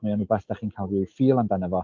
Mae o'n rywbeth dach chi'n cael rhyw feel amdano fo.